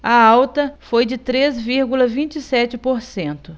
a alta foi de três vírgula vinte e sete por cento